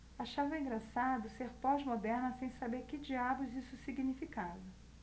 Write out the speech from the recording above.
achava engraçado ser pós-moderna sem saber que diabos isso significava